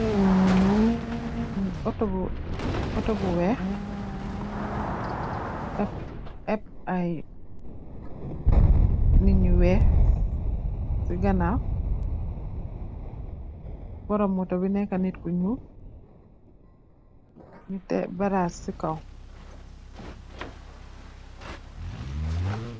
Otto bu weex, ebb ay nit ñu weex si ganaaw, boroom moto bi neekë nit ku ñuul, ñu tek bagaas si kow.